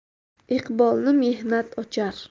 iqbolni mehnat ochar